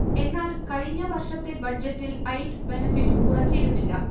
എന്നാൽ കഴിഞ്ഞ വർഷത്തെ ബഡ്ജറ്റിൽ ചൈൽഡ് ബെനഫിറ്റ് കുറച്ചിരുന്നില്ല